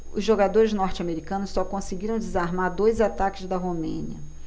os jogadores norte-americanos só conseguiram desarmar dois ataques da romênia